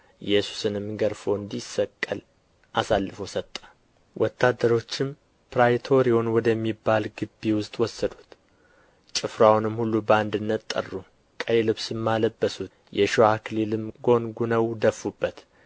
ኢየሱስንም ገርፎ እንዲሰቀል አሳልፎ ሰጠ ወታደሮችም ፕራይቶሪዮን ወደሚባል ግቢ ውስጥ ወሰዱት ጭፍራውንም ሁሉ በአንድነት ጠሩ